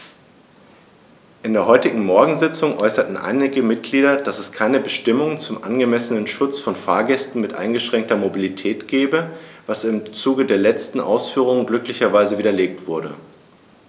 In der heutigen Morgensitzung äußerten einige Mitglieder, dass es keine Bestimmung zum angemessenen Schutz von Fahrgästen mit eingeschränkter Mobilität gebe, was im Zuge der letzten Ausführungen glücklicherweise widerlegt wurde.